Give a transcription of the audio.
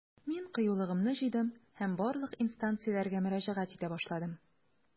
Мин кыюлыгымны җыйдым һәм барлык инстанцияләргә мөрәҗәгать итә башладым.